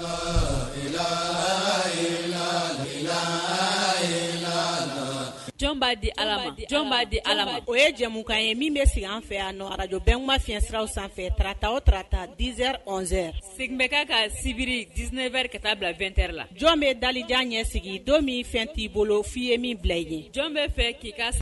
Di'a di ala o ye jɛmu kan ye min bɛ segin an fɛ a araj bɛɛ ma fi siraw sanfɛta ota dzz segin bɛ ka ka sibiri diz wɛrɛ ka taa bila2ɛ la jɔn bɛ dajan ɲɛsigi don min fɛn t'i bolo f'i ye min bila i yen jɔn bɛ fɛ k' ka